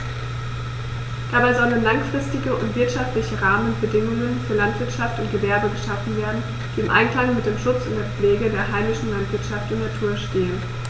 Dabei sollen langfristige und wirtschaftliche Rahmenbedingungen für Landwirtschaft und Gewerbe geschaffen werden, die im Einklang mit dem Schutz und der Pflege der heimischen Landschaft und Natur stehen.